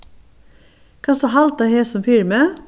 kanst tú halda hesum fyri meg